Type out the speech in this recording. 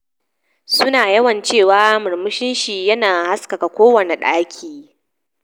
Su na yawan cewa murmushin shi yana haskaka kowane daki.